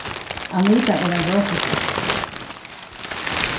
anita er ein vøkur genta